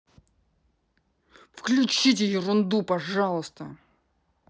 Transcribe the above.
включите ерунду пожалуйста